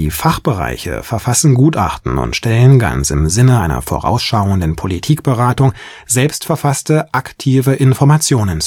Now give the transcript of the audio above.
Fachbereiche verfassen Gutachten und stellen ganz im Sinne einer Vorausschauenden Politikberatung selbst verfasste „ aktive Informationen